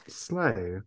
Slay.